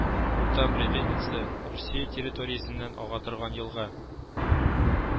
Урта Бревенница Русия территориясеннән ага торган елга